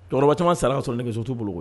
Cɛkɔrɔbaba caman sara sɔrɔ ne nɛgɛ sotu bolo